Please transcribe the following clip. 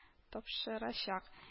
Тапшырачак